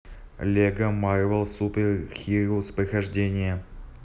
лего марвел супер хироус прохождение